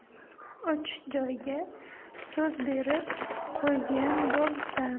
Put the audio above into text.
uch joyga so'z berib qo'ygan bo'lsam